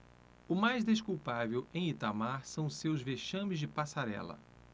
o mais desculpável em itamar são os seus vexames de passarela